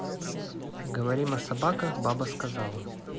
поговорим о собаках баба сказала